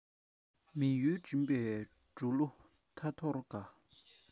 མི ཡུལ འགྲིམས པའི སྐྱོ གླུ ཐ ཐོར འགའ